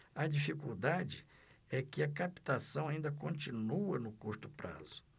a dificuldade é que a captação ainda continua no curto prazo